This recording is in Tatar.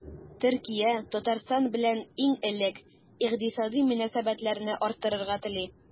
Төркия Татарстан белән иң элек икътисади мөнәсәбәтләрне арттырырга тели.